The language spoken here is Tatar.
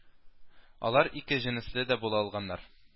Алар ике җенесле дә була алганнар